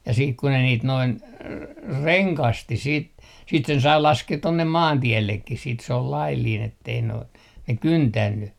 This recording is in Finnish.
ja sitten kun ne niitä noin rengasti sitten sitten sen sai laskea tuonne maantiellekin sitten se oli laillinen että ei noin ne kyntänyt